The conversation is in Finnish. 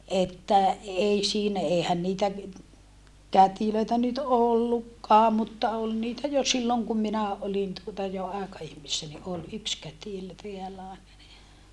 että ei siinä eihän niitä kätilöitä nyt ollutkaan mutta oli niitä jo silloin kun minä olin tuota jo aikaihmisenä niin oli yksi kätilö täällä aina niin